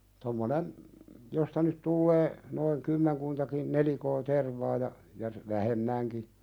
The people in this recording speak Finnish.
tuommoinen josta nyt tulee noin kymmenkuntakin nelikkoa tervaa ja ja vähemmänkin